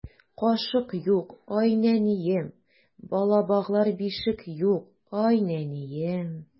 Кашык юк, ай нәнием, Бала баглар бишек юк, ай нәнием.